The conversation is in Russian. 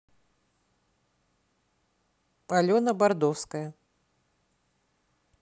алена бардовская